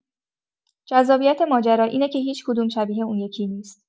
جذابیت ماجرا اینه که هیچ‌کدوم شبیه اون یکی نیست.